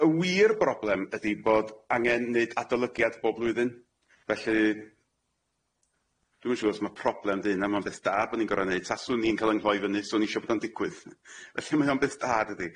Y y wir broblem ydi bod angen neud adolygiad bob blwyddyn felly dwi'm yn siŵr os ma' problem di hynna ma'n beth da bo' ni'n gor'o' neud taswn i'n ca'l yng nghoi fyny so o'n i isio bod o'n digwydd felly mae o'n beth da dydi?